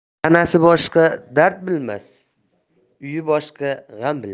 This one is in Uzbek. tanasi boshqa dard bilmas uyi boshqa g'am bilmas